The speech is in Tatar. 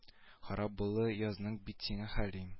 Харап була яздың бит син хәлим